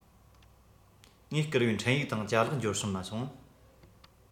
ངས བསྐུར བའི འཕྲིན ཡིག དང ཅ ལག འབྱོར བྱུང མ བྱུང ངམ